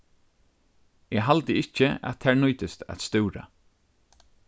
eg haldi ikki at tær nýtist at stúra